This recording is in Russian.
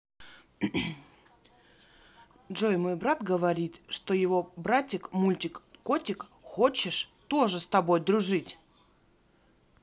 джой мой брат говорит что его братик мультик котик хочешь тоже с тобой дружить